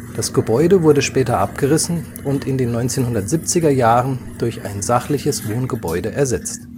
Das Gebäude wurde später abgerissen und in den 1970er Jahren durch ein sachliches Wohngebäude ersetzt